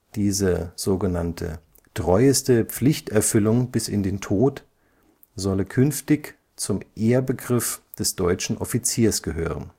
Diese „ treueste Pflichterfüllung bis in den Tod “solle künftig „ zum Ehrbegriff des deutschen Offiziers gehören